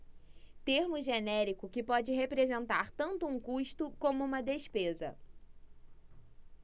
termo genérico que pode representar tanto um custo como uma despesa